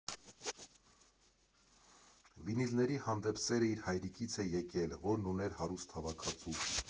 Վինիլների հանդեպ սերը իր հայրիկից է եկել, որն ուներ հարուստ հավաքածու։